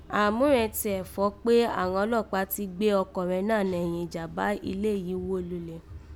Àghàn múrẹ̀n tiẹ̀ fọ̀ọ́ kpé àghan ọlọ́pàá ti gbé ọkọ̀nrẹn náà nẹ̀yìn ìjàm̀bá ilé yìí wó lulẹ̀